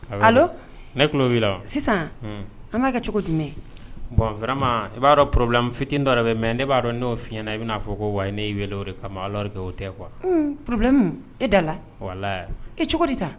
Kalo ne tulolo' la sisan an b'a kɛ cogo jumɛn bɔnma i b'a dɔn porobilɛ fit dɔ yɛrɛ bɛ mɛ ne b'a dɔn n'o f fi ɲɛnaɲɛna i'a fɔ ko wa' weele o kama kɛ o tɛ kuwa porobi e da la e cogo di ta